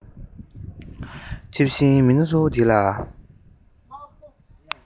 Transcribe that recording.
ལྕེབས ཤིང མི སྣ གཙོ བ དེ ལ